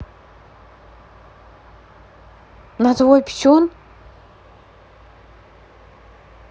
на твой писюн